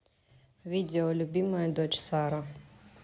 видео любимая дочь сара